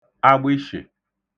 agbịshị̀